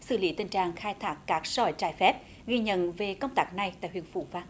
xử lý tình trạng khai thác cát sỏi trái phép ghi nhận về công tác này tại huyện phú vang